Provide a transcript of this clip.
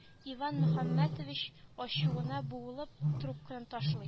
Иван мөхәммәтович ачуына буылып трубканы ташлый